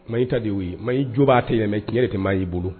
Mahin i ta de y'u ye, Mahin jo b'a te mais tiɲɛ de tɛ Mahin bolo